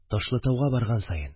Ташлытауга барган саен